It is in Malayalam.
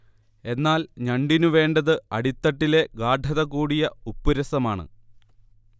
എന്നാൽ ഞണ്ടിനു വേണ്ടത് അടിത്തട്ടിലെ ഗാഢത കൂടിയ ഉപ്പുരസമാണ്